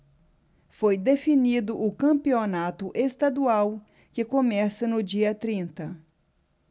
foi definido o campeonato estadual que começa no dia trinta